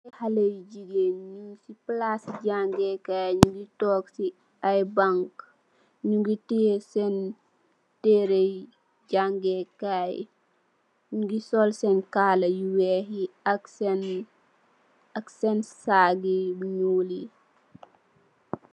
Halle yi jigeen nyung si palaasi jangee kaay, nyungi took si aye bang, nyungi tiyeeh sen teerey jangee kaay yi, nyungi sol sen kaala yu weeh yi, ak sen saac yu nyuul yi.